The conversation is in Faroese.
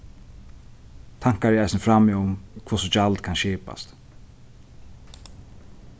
tankar eru eisini frammi um hvussu gjald kann skipast